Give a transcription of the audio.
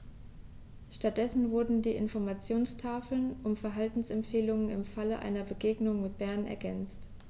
Stattdessen wurden die Informationstafeln um Verhaltensempfehlungen im Falle einer Begegnung mit dem Bären ergänzt.